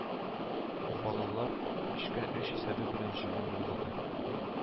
Уфалылар бишкә өч исәбе белән җиңү яулады